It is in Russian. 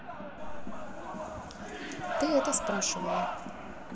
ты это спрашивала